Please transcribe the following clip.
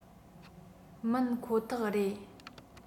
མིན ཁོ ཐག རེད